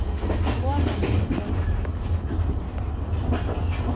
kona mín doyði